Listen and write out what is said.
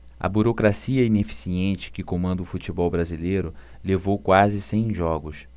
a burocracia ineficiente que comanda o futebol brasileiro levou quase cem jogos